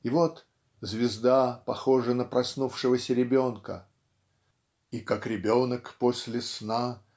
И вот звезда похожа на проснувшегося ребенка И как ребенок после сна